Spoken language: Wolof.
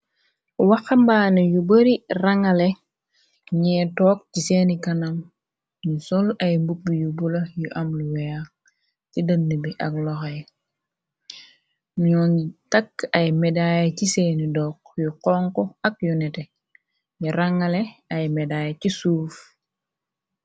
Waxambaane yu bari rangale ñu toog ci seeni kanam ñu sol ay mubu yu bula yu am lu weex ci dën bi ak loxou ye ñuge takk ay medaay ci seeni dox yu xonko ak yu nete ni rangale ay medaay ci suuf.